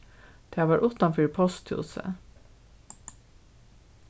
tað var uttanfyri posthúsið